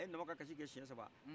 a ye nama ka kasi kɛ siɲɛ saba